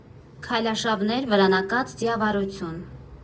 Քայլարշավներ, վրանակաց, ձիավարություն.